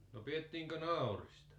no pidettiinkö naurista